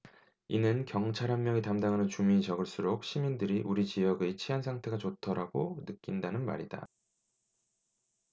이는 경찰 한 명이 담당하는 주민이 적을수록 시민들이 우리 지역의 치안 상태가 좋다라고 느낀다는 말이다